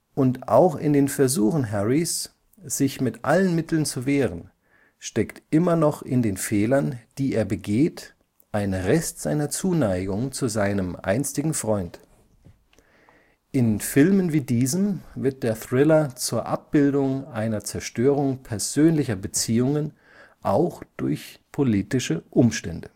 Und auch in den Versuchen Harrys, sich mit allen Mitteln zu wehren, steckt immer noch in den Fehlern, die er begeht, ein Rest seiner Zuneigung zu seinem einstigen Freund. In Filmen wie diesem wird der Thriller zur Abbildung einer Zerstörung persönlicher Beziehungen auch durch politische Umstände